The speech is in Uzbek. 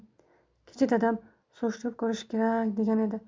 kecha dadam surishtirib ko'rish kerak degan edi